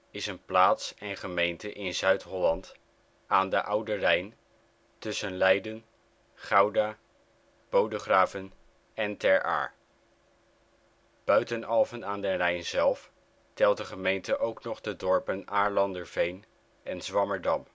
is een plaats en gemeente in Zuid-Holland, aan de Oude Rijn tussen Leiden, Gouda, Bodegraven en Ter Aar. Buiten Alphen aan den Rijn zelf telt de gemeente ook nog de dorpen Aarlanderveen en Zwammerdam